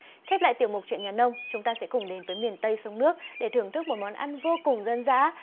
khép lại tiểu mục chuyện nhà nông chúng ta sẽ cùng đến với miền tây sông nước để thưởng thức một món ăn vô cùng dân dã